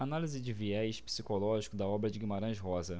análise de viés psicológico da obra de guimarães rosa